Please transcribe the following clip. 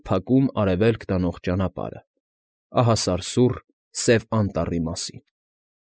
Փակում Արևելք տանող ճանապարհը, ահասարսուռ Սև Անտառի մասին։